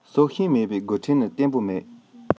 སྲོག ཤིང མེད པའི འགོ ཁྲིད ནི བརྟན པོ མེད